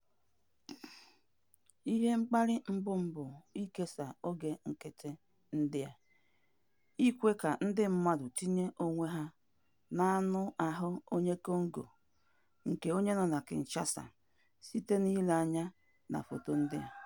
Ihe mkpali mbụ m bụ ikesa oge nkịtị ndị a, ikwe ka ndị mmadụ tinye onwe ha n'anụahụ onye Congo, nke onye nọ na Kinshasa, site n'ile anya na foto ndị a.